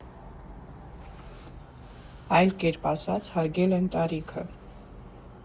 Այլ կերպ ասած՝ հարգել են տարիքը։